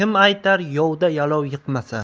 aytar yovda yalov yiqmasa